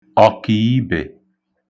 ọkìibè